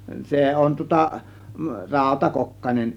se on tuota rautakokkanen